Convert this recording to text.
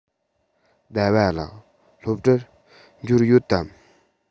ཟླ བ ལགས སློབ གྲྭར འབྱོར ཡོད དམ